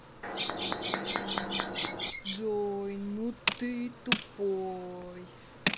джой ну ты тупой